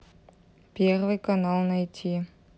первый канал найти